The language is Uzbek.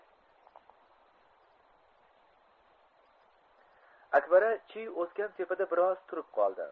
akbara chiy o'sgan tepada bir oz turib qoldi